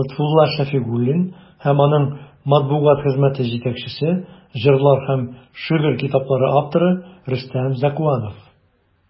Лотфулла Шәфигуллин һәм аның матбугат хезмәте җитәкчесе, җырлар һәм шигырь китаплары авторы Рөстәм Зәкуанов.